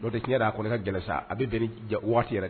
N'o tɛ tiɲɛni yɛrɛ la a ka kɔni ka gɛlɛn sa , a bɛ bɛn ni waati yɛrɛ